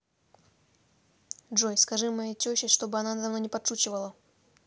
джой скажи моей теще чтобы она надо мной не подшучивала